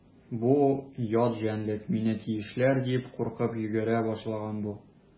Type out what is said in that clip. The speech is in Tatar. Бу ят җәнлек мине тешләр дип куркып йөгерә башлаган бу.